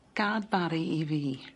Gad Bari i fi.